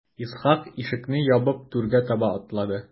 Исхак ишекне ябып түргә таба атлады.